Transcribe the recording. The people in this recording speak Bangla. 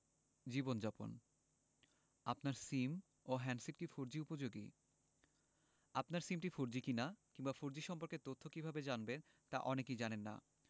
জীবনযাপন আপনার সিম ও হ্যান্ডসেট কি ফোরজি উপযোগী আপনার সিমটি ফোরজি কিনা কিংবা ফোরজি সম্পর্কে তথ্য কীভাবে জানবেন তা অনেকেই জানেন না